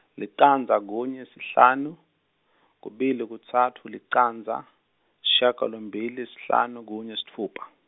licandza kunye sihlanu kubili kutsatfu licandza sishiyagalombili sihlanu kunye sitfupha.